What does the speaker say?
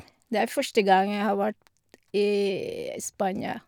Det er første gang jeg har vært i Spania.